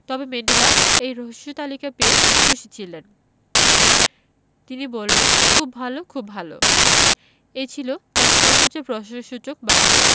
তবে ম্যান্ডেলা এই হ্রস্ব তালিকা পেয়েও খুশি হলেন তিনি বললেন খুব ভালো খুব ভালো এ ছিল তাঁর সর্বোচ্চ প্রশংসাসূচক বাক্য